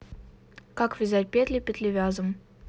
как вязать петли петлевязом